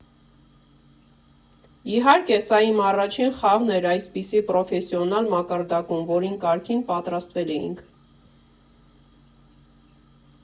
Իհարկե, սա իմ առաջին խաղն էր այսպիսի պրոֆեսիոնալ մակարդակում, որին կարգին պատրաստվել էինք։